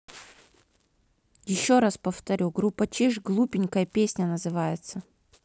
еще раз повторю группа чиж глупенькая песня называется